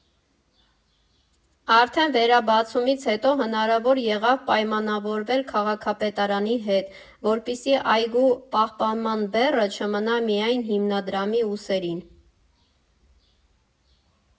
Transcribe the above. Արդեն վերաբացումից հետո հնարավոր եղավ պայմանավորվել քաղաքապետարանի հետ, որպեսզի այգու պահպանման բեռը չմնա միայն հիմնադրամի ուսերին։